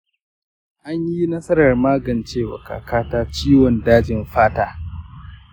anyi nasarar magancewa kakata ciwon dajin fata